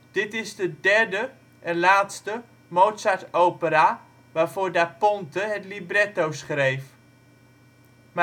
Dit is de derde (en laatste) Mozart-opera waarvoor Da Ponte het libretto schreef. Maar